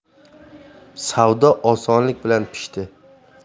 savdo osonlik bilan pishdi